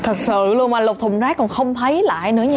thật sự luôn mà lục thùng rác còn không thấy lại nữa nha